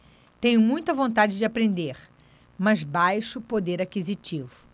tenho muita vontade de aprender mas baixo poder aquisitivo